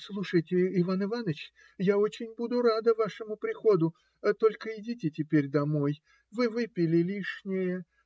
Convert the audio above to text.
- Слушайте, Иван Иваныч, я очень буду рада вашему приходу, только идите теперь домой. Вы выпили лишнее.